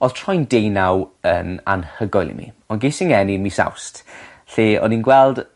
odd troi'n deunaw yn anhygoel imi ond ges i'n ngeni mis Awst lle o'n i'n gweld